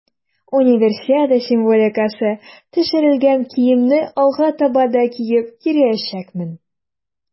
Универсиада символикасы төшерелгән киемне алга таба да киеп йөриячәкмен.